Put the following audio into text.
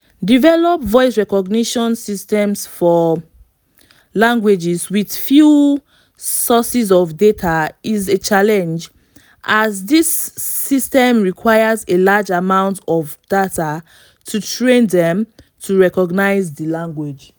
Develop voice recognition systems for languages with few sources of data is a challenge, as these systems requires a large amount of data to “train” them to recognize the language.